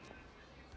песня летели теле песок